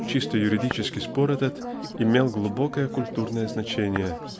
Чисто юридический спор этот имел глубокое культурное значение